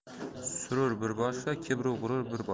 surur bir boshqa kibr u g'urur bir boshqa